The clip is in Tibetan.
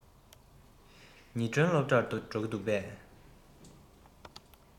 ཉི སྒྲོན སློབ གྲྭར འགྲོ གི འདུག གས